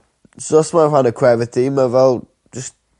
So os ma' fe rhan o crefydd ti ma' fel js